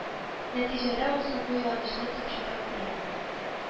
Нәтиҗәдә ул соңгы юанычны томчыда күрә